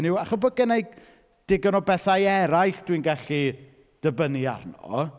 Hynny yw achos bo' gynna i digon o bethau eraill dwi'n gallu dibynnu arno...